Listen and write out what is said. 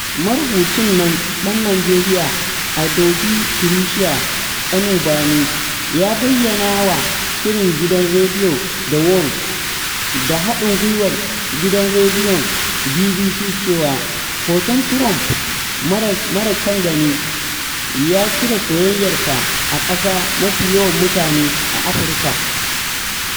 Marubucin nan ɗan Nijeriya Adaobi Tricia Nwaubani ya bayyana wa shirin gidan rediyon 'The World' da haɗin-gwiwar gidan rediyon BBC cewa, hoton Trump mara kyan gani ya cire soyayyarsa a ƙasa mafi yawan mutane a Afirka: